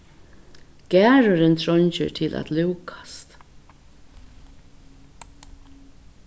garðurin treingir til at lúkast